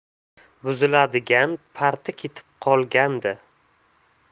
buziladigan parti ketib qolgandi